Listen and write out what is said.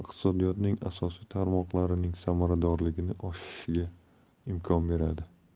iqtisodiyotning asosiy tarmoqlarining samaradorligini oshishiga imkon beradi